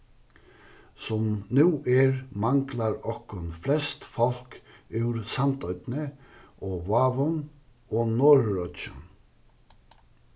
sum nú er manglar okkum flest fólk úr sandoynni og vágum og norðuroyggjum